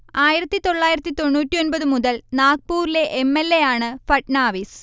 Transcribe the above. ആയിരത്തി തൊള്ളായിരത്തി തൊണ്ണൂറ്റി ഒൻപത് മുതൽ നാഗ്പൂറിലെ എം. എൽ. എ. ആണ് ഫട്നാവിസ്